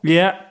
Ie.